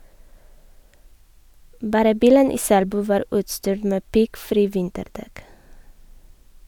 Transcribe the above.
Bare bilen i Selbu var utstyrt med piggfri vinterdekk.